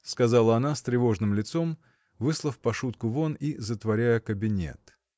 — сказала она с тревожным лицом, выслав Пашутку вон и затворяя кабинет.